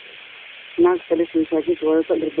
Naag fadhiso masajid wadatoh dhar balog